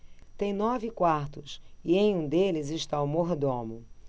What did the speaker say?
tem nove quartos e em um deles está o mordomo